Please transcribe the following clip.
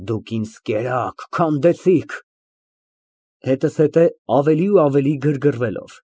Դուք ինձ կերաք, քանդեցիք (Հետզհետե ավելի ու ավելի գրգռվելով)։